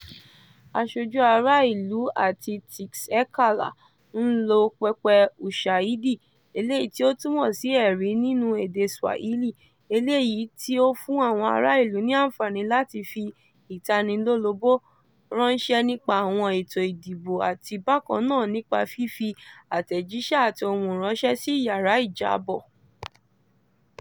Asojú Ará ìlú àti Txeka-lá ń lo pẹpẹ Ushahidi (eléyií tí ó túmọ̀ sí "ẹ̀rí" nínú èdè Swahili), eléyìí tí ó fún àwọn ará ìlú ní àǹfààní láti fi ìtanilólobó ránṣẹ́ nípa àwọn ètò ìdìbò àti bákàn naà nípa fífi àtẹ̀jíṣẹ́ àti ohùn ránṣẹ́, sí "yàrá-ìjábọ̀"